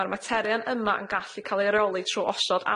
Ma'r materion yma yn gallu ca'l eu reoli trw osod